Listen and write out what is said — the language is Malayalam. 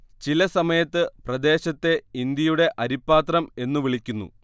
ചിലസമയത്ത് പ്രദേശത്തെ ഇന്ത്യയുടെ അരിപ്പാത്രം എന്നു വിളിക്കുന്നു